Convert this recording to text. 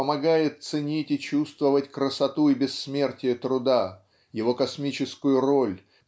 помогает ценить и чувствовать красоту и бессмертие труда его космическую роль